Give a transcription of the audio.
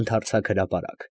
Ընդարձակ հրապարակ։